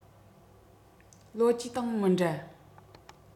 ལིའོ ཅེ དང མི འདྲ